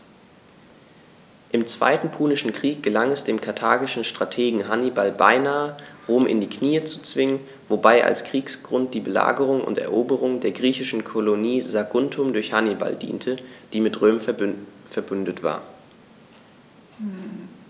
Im Zweiten Punischen Krieg gelang es dem karthagischen Strategen Hannibal beinahe, Rom in die Knie zu zwingen, wobei als Kriegsgrund die Belagerung und Eroberung der griechischen Kolonie Saguntum durch Hannibal diente, die mit Rom „verbündet“ war.